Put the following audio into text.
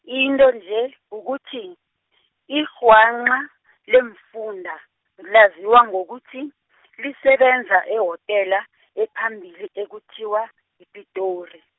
into nje, kukuthi, irhwanqa, leemfunda, laziwa ngokuthi, lisebenza ehotela, ephambili ekuthiwa, yiPitori.